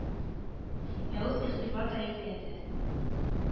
Ә ул игътибар да итмәде